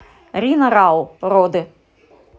рина рау роды